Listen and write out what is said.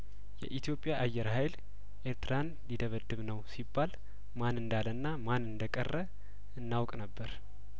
የኢትዮጵያ አየር ሀይል ኤርትራን ሊደበድብ ነው ሲባል ማን እንዳለና ማን እንደቀረ እናውቅ ነበር